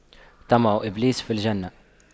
طمع إبليس في الجنة